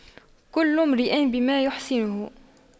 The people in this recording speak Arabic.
كل امرئ بما يحسنه